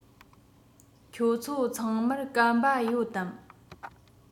ཁྱོད ཚོ ཚང མར སྐམ པ ཡོད དམ